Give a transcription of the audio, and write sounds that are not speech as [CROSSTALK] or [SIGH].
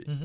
[HESITATION] [HESITATION]